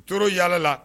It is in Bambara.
T yaala